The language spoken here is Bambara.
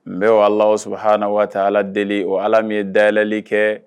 N bɛ o Alahu Sunahanahuwataala deli o Ala min ye dayɛlɛli kɛɛ